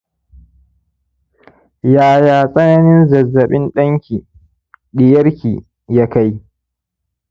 yaya tsananin zazzaɓin ɗanki/ɗiyarki ya kai